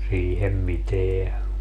siihen mitään